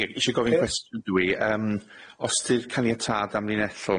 Ie isie gofyn cwestiwn dw i yym os ydy'r caniatâd amlinellol